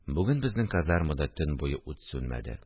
Бүген безнең казармада төн буе ут сүнмәде